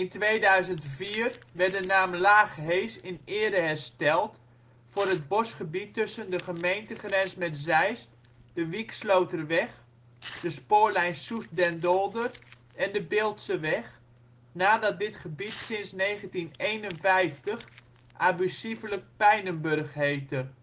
2004 werd de naam Laag Hees in ere hersteld voor het bosgebied tussen de gemeentegrens met Zeist, de Wieksloterweg, de spoorlijn Soest-Den Dolder en de Biltseweg, nadat dit gebied sinds 1951 abusievelijk Pijnenburg heette